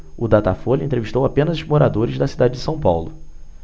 o datafolha entrevistou apenas moradores da cidade de são paulo